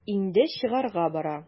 Инде чыгарга бара.